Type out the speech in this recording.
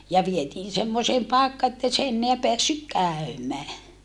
ja vietiin semmoiseen paikkaan että ei se enää päässyt käymään